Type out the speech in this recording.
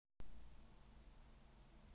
не хочу бургер кинг